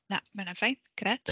Na ma' hynna'n fine, grêt.